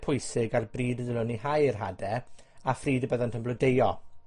pwysig ar bryd i ddylwn ni hau yr hade, a phryd y byddant yn blodeuo.